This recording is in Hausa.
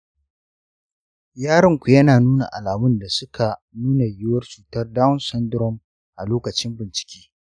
yaronku yana nuna alamun da suka nuna yiwuwar cutar down syndrome a lokacin bincike.